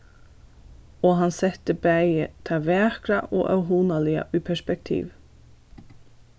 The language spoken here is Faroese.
og hann setti bæði tað vakra og óhugnaliga í perspektiv